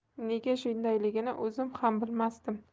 nega shundayligini o'zim ham bilmasdim